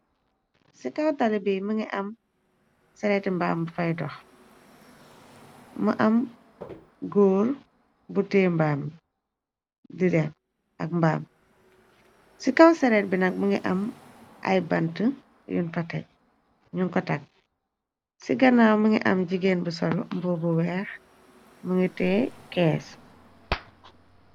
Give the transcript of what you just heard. Ci kaw tally bi mun ngi am sereeti mbaam bu fay dox. Mu am góor bu tee mbaam bi di dem ak mbaam, ci kaw sereet bi nag mun ngu am ay bant yun fa tek ñu ko tagg. Ci ganaaw mun ngi am jigéen bu sol mboo bu weex mu ngi tee kees.